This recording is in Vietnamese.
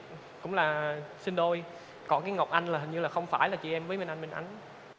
cũng là sinh đôi còn cái ngọc anh là hình như là không phải là chị em với minh anh minh ánh